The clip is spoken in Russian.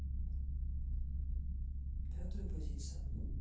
пятая позиция